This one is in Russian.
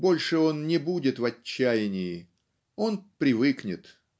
больше он не будет в отчаянии. Он привыкнет